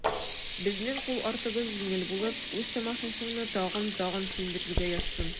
Безнең кул артыбыз җиңел булып, үз тамашачыңны тагын-тагын сөендерергә язсын.